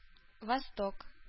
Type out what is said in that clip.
Восток